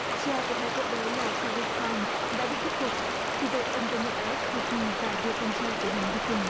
cha của hai cậu bé là tha guých han đã bị thuyết phục vì vậy ông gia nhập ai ét cây pi và đưa con trai của mình đi cùng